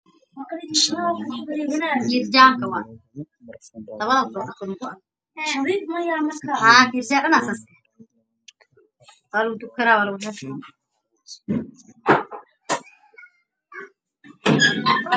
Meeshaan oo meel mashruubin ah waxaa loo gadaa catarro iyo baraaruno badan